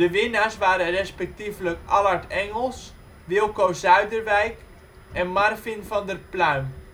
winnaars waren respectievelijk Allard Engels, Wilco Zuijderwijk en Marvin van der Pluijm